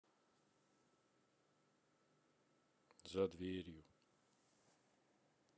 за дверью